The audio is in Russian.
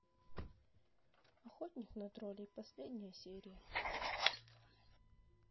охотник на троллей последняя серия